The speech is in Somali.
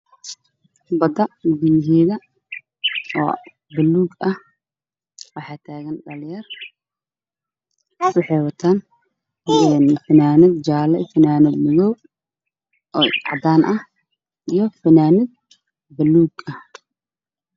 Badda waayo waxaa taagan dhalin yar